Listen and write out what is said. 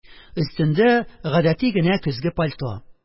Өстендә гадәти генә көзге пальто